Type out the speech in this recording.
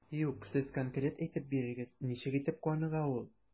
Юк, сез конкрет әйтеп бирегез, ничек итеп каныга ул?